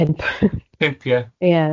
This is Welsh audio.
Pump, ie.